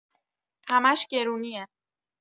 همش گرونیه